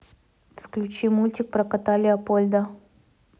включи мультик про кота леопольда